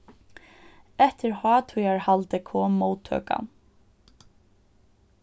eftir hátíðarhaldið kom móttøkan